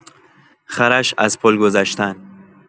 خرش از پل گذشتن